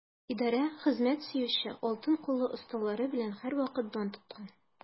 Идарә хезмәт сөюче, алтын куллы осталары белән һәрвакыт дан тоткан.